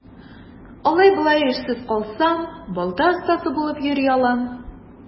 Алай-болай эшсез калсам, балта остасы булып йөри алам.